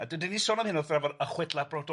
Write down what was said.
A 'dan ni 'di sôn am hyn wrth drafod y chwedla brodorol.